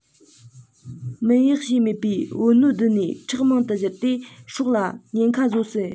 སྨིན ཡག བྱས མེད པའི བུ སྣོད བརྡོལ ནས ཁྲག མང དུ བཞུར ཏེ སྲོག ལ ཉེན ཁ བཟོ སྲིད